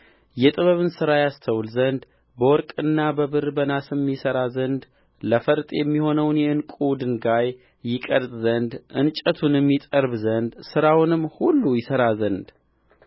የጥበብን ሥራ ያስተውል ዘንድ በወርቅና በብር በናስም ይሰራ ዘንድ ለፈርጥ የሚሆነውን የዕንቍ ድንጋይ ይቀርጽ ዘንድ እንጨቱንም ይጠርብ ዘንድ ሥራውንም ሁሉ ይሠራ ዘንድ